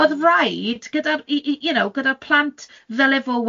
Oedd raid gyda'r i- i- you know gyda'r plant ddylai fo'